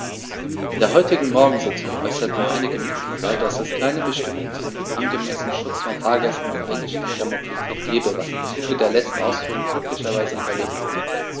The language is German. In der heutigen Morgensitzung äußerten einige Mitglieder, dass es keine Bestimmung zum angemessenen Schutz von Fahrgästen mit eingeschränkter Mobilität gebe, was im Zuge der letzten Ausführungen glücklicherweise widerlegt wurde.